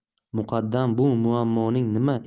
muqaddam bu muammoning